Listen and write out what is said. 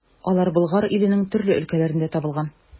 Алар Болгар иленең төрле өлкәләрендә табылган.